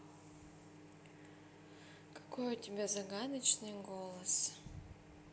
какой у тебя загадочный голос